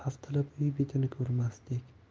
haftalab uy betini ko'rmasdik